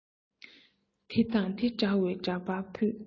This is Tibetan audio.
དེ དང དེ འདྲ བའི འདྲ པར ཕུད